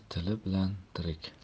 till bilan tirik